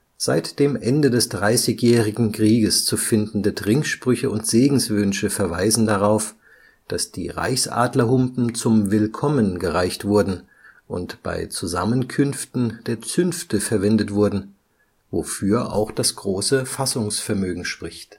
Seit dem Ende des Dreißigjährigen Krieges zu findende Trinksprüche und Segenswünsche verweisen darauf, dass die Reichsadlerhumpen zum Willkommen gereicht wurden und bei Zusammenkünften der Zünfte verwendet wurden, wofür auch das große Fassungsvermögen spricht